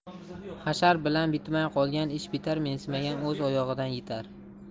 hashar bilan bitmay qolgan ish bitar mensimagan o'z oyog'idan yitar